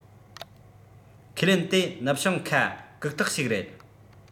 ཁས ལེན དེ ནུབ བྱང ཁ གུག རྟགས ཞིག རེད